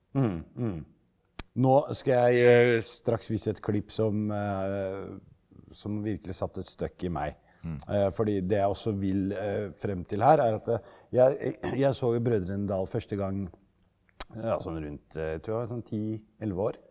nå skal jeg straks vise et klipp som som virkelig satt en støkk i meg fordi det jeg også vil frem til her er at jeg jeg så jo Brødrene Dal første gang ja sånn rundt tror jeg var sånn ti elleve år.